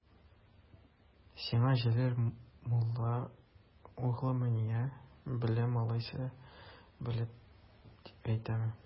Син Җәләл мулла угълымыни, ә, беләм алайса, беләм дип әйтәме?